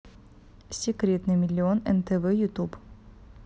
секрет на миллион нтв ютуб